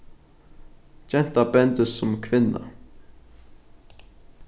genta bendist sum kvinna